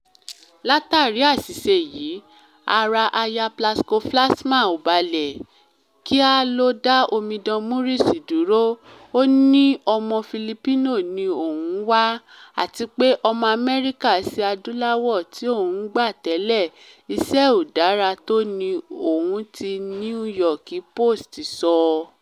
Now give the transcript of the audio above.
Látàrí àṣìṣe yìí, ara Aya Plasco-Flaxman “‘ò balẹ̀”. Kíá ló dá Omidan Maurice dúró. Ó ní ọmọ Filipino ni òun ń wá. Àtipé, ọmọ Amẹríkà-ṣe-Adúláwò tí òún gba tẹ́lẹ̀, iṣẹ́ ẹ̀ ‘ò dára tó ni ohun tí New York Post sọ.